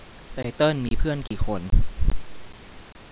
ไตเติ้ลมีเพื่อนกี่คน